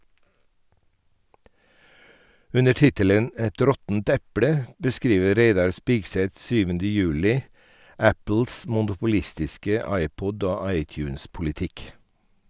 Under tittelen "Et råttent eple" beskriver Reidar Spigseth Apples monopolistiske iPod- og iTunes-politikk.